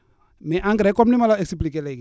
mais engrais comme ni ma la expliquer léegi